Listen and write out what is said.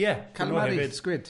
Ie, calamari, sgwid.